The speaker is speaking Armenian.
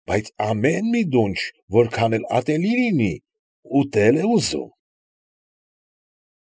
Բայց ամեն մի դունչ որքան էլ ատելի լինի, ուտել է ուզում։